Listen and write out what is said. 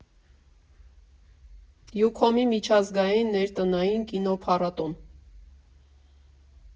Յուքոմի միջազգային ներտնային կինոփառատոն։